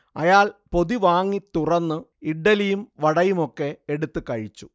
അയാൾ പൊതി വാങ്ങി തുറന്ന് ഇഡ്ഢലിയും വടയുമൊക്കെ എടുത്തു കഴിച്ചു